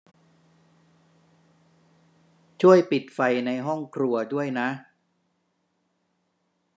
ช่วยปิดไฟในห้องครัวด้วยนะ